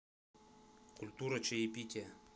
культура чаепития